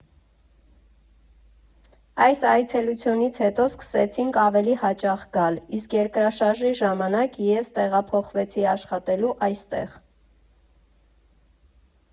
Այս այցելությունից հետո սկսեցինք ավելի հաճախ գալ, իսկ երկրաշարժի ժամանակ ես տեղափոխվեցի աշխատելու այստեղ»։